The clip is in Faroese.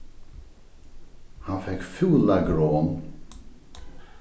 hann fekk fúla gron